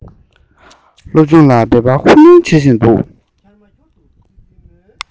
སློབ སྦྱོང ལ འབད པ ཧུར ལེན བྱེད བཞིན འདུག